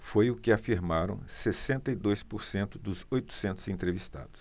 foi o que afirmaram sessenta e dois por cento dos oitocentos entrevistados